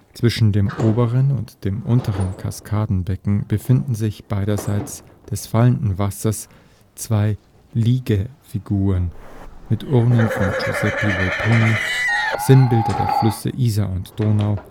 Zwischen dem oberen und dem unteren Kaskadenbecken befinden sich beiderseits des fallenden Wassers zwei Liegefiguren mit Urnen von Giuseppe Volpini, Sinnbilder der Flüsse Isar und Donau